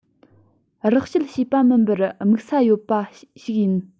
རགས བཤད བྱེད པ མིན པར དམིགས ས ཡོད པ ཞིག ཡིན